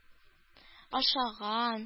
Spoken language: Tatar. Ашаган